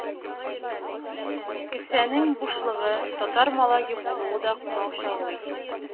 Кесәнең бушлыгы, татар малае булуы да комачаулый